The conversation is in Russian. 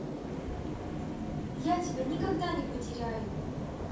я тебя никогда не потеряю